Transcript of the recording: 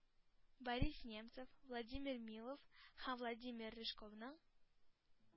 Борис Немцов, Владимир Милов һәм Владимир Рыжковның